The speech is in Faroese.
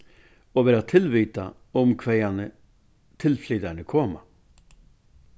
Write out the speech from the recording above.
og vera tilvitað um hvaðani tilflytararnir koma